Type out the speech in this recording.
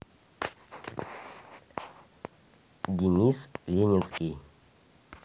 денис леницкий